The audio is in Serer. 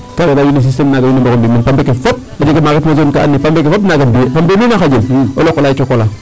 Kaaga daal système naaga wiin we mbara no mbi' fambe ke fop a jega zone kaa andoona ye pambe ke fop naaga mbi'ee fambe nu na xaƴel o loq olaay cok olaa.